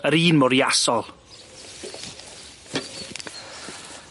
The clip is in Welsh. Yr un mor iasol!